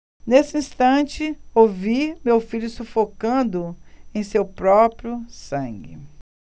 nesse instante ouvi meu filho sufocando em seu próprio sangue